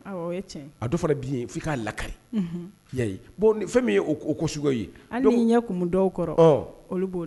Awɔ, o ye tiɲɛ ye, a dun fana tɛ ɲɛ f'i ka lakalen, unhun, i y'a ye, fɛn min ye o ko sugu ye, hali ni ɲɛ kumu dɔw kɔrɔ, ɔ, olu b'o